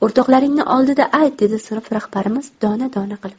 o'rtoqlaringni oldida ayt dedi sinf rahbarimiz dona dona qilib